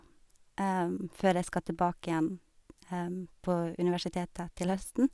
Før jeg skal tilbake igjen på universitetet til høsten.